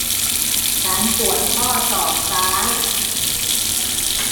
ฉันปวดข้อศอกซ้าย